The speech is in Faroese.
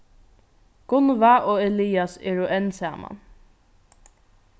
gunnvá og elias eru enn saman